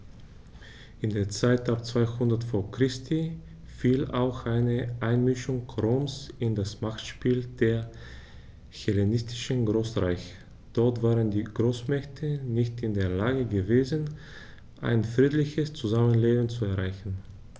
In die Zeit ab 200 v. Chr. fiel auch die Einmischung Roms in das Machtspiel der hellenistischen Großreiche: Dort waren die Großmächte nicht in der Lage gewesen, ein friedliches Zusammenleben zu erreichen.